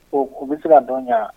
O,u bɛ se dɔ ɲɛ wa?